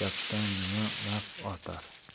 gapdan nima naf ortar